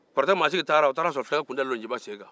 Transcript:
kɔrɔtɛ masigi taara o taara sɔrɔ fɛn kun dalen don nciba sen kan